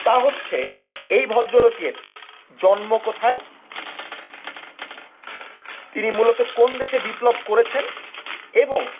তা হচ্ছে এই ভদ্রলোকের জন্ম কোথায় তিনি মূলত কোন দেশে বিপ্লব করেছেন এবং